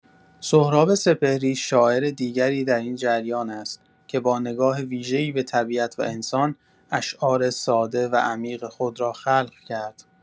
سهراب سپهری، شاعر دیگری در این جریان است که با نگاه ویژه‌ای به طبیعت و انسان، اشعار ساده و عمیق خود را خلق کرد.